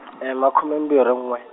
makhume mbirhi n'we.